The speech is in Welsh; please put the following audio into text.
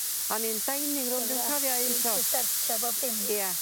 O'n i'n dining room rwyn cofio un tro... 'di startsio bob dim. Ia.